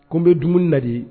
Kun bɛ dumuni nadi ye